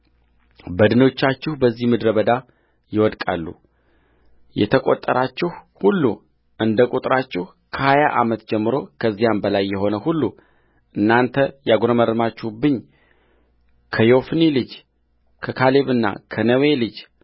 በድኖቻችሁ በዚህ ምድረ በዳ ይወድቃሉ የተቆጠራችሁ ሁሉ እንደቁጥራችሁ ከሀያ ዓመት ጀምሮ ከዚያም በላይ የሆነ ሁሉ እናንተ ያጕረመረማችሁብኝከዮፎኒ ልጅ ከካሌብና ከነዌ ልጅ